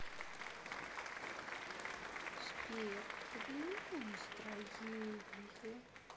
сбер подними мне настроение